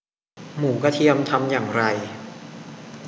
หมูกระเทียมทำอย่างไร